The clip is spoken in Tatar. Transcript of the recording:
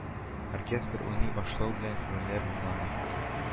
Оркестр уйный башлау белән күңелләр моңлана